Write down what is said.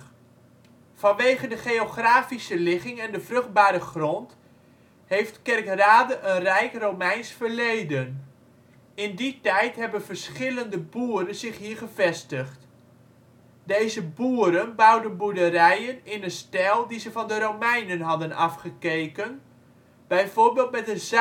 Vanwege de geografische ligging en de vruchtbare grond heeft Kerkrade een rijk Romeins verleden. In die tijd hebben verschillende boeren zich hier gevestigd. Deze boeren bouwden boerderijen in een stijl die ze van de Romeinen hadden afgekeken, bijvoorbeeld met een zuilengalerij